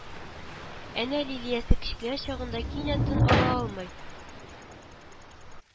Әнә Лилиясе кечкенә чагында кинәт тын ала алмый